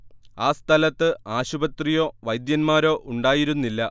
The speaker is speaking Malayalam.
ആ സ്ഥലത്ത് ആശുപത്രിയോ വൈദ്യന്മാരോ ഉണ്ടായിരുന്നില്ല